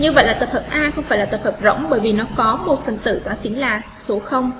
như vậy là ta không phải là tập hợp rỗng bởi vì nó có một phần tử đó chính là số